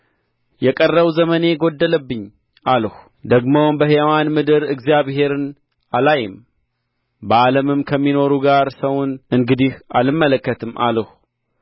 የቀረው ዘመኔ ጐደለብኝ አልሁ ደግሞም በሕያዋን ምድር እግዚአብሔርን አላይም በዓለምም ከሚኖሩ ጋር ሰውን እንግዲህ አልመለከትም አልሁ